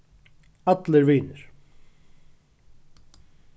allir vinir